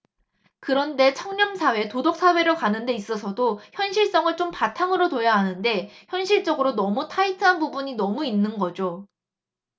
그런데 청렴사회 도덕사회로 가는 데 있어서도 현실성을 좀 바탕으로 둬야 하는데 현실적으로 너무 타이트한 부분이 너무 있는 거죠